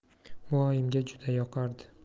bu oyimga juda yoqardi